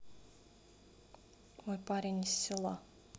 мой парень из села